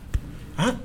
A